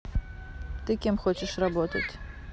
ты кем хочешь работать